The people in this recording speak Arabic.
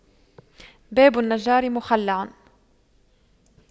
باب النجار مخَلَّع